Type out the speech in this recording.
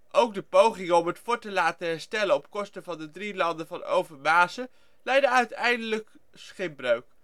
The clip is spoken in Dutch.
Ook de pogingen om het fort te laten herstellen op kosten van de drie landen van Overmaze lijden uiteindelijk schipbreuk